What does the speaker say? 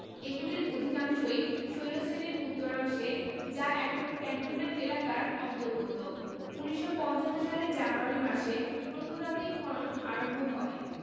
এগুলির অধিকাংশই শৈলশ্রেণির উত্তরাংশে যা এখন ক্যান্টনমেন্ট এলাকার অন্তর্গত ১৯৫৫ সালের জানুয়ারি মাসে প্রত্নতাত্ত্বিক খনন আরম্ভ হয়